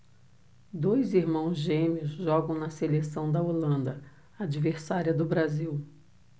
dois irmãos gêmeos jogam na seleção da holanda adversária do brasil